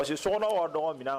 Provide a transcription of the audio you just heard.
Parcesi sow dɔgɔ min